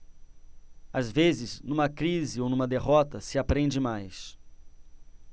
às vezes numa crise ou numa derrota se aprende mais